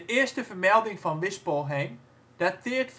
eerste vermelding van Wispelheem dateert van